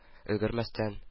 Өлгермәстән